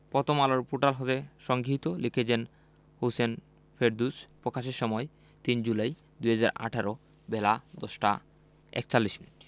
Prothom Alo portal হতে সংগৃহীত লিখেছেন হোসেন ফেরদৌস প্রকাশের সময় ৩ জুলাই ২০১৮ বেলা ১০টা ৪১মিনিট